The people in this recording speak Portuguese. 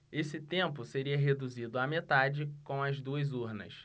esse tempo seria reduzido à metade com as duas urnas